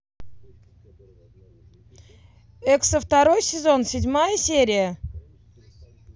экса второй сезон седьмая серия